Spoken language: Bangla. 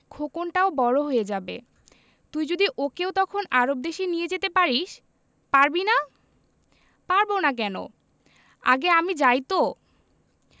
খোকনটাও বড় হয়ে যাবে তুই যদি ওকেও তখন আরব দেশে নিয়ে যেতে পারিস পারবি না পারব না কেন আগে আমি যাই তো